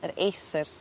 yr acers.